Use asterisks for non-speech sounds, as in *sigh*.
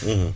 *hesitation* *hesitation*